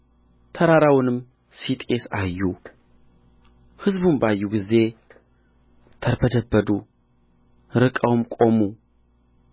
ተራራውንም ሲጤስ አዩ ሕዝቡም ባዩ ጊዜ ተርበደበዱ ርቀውም ቆሙ